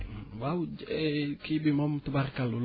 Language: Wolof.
waaw kii bi moom tubaarkàlla